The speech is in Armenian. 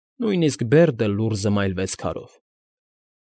Նույնիսկ Բերդը լուռ զմայլվեց քարով։